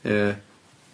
Ie.